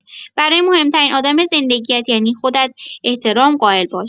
برای مهم‌ترین آدم زندگی‌ات یعنی خودت احترام قائل باش.